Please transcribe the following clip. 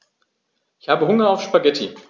Ich habe Hunger auf Spaghetti.